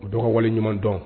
U dɔgɔ waleɲuman dɔn